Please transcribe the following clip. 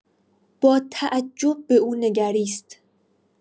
با تعجب به او نگریست.